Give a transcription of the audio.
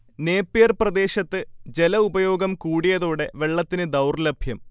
Napier പ്രദേശത്ത് ജലഉപയോഗം കൂടിയതോടെ വെള്ളത്തിന് ദൗർലഭ്യം